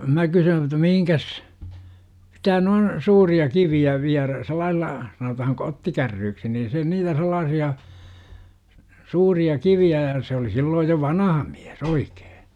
minä kysyn että mihinkäs sitä noin suuria kiviä viedään sillä lailla sanotaan kottikärryksi niin se niitä sellaisia suuria kiviä ja se oli silloin jo vanha mies oikein